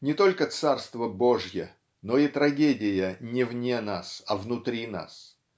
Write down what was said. Не только царство Божье, но и трагедия не вне нас, а внутри нас.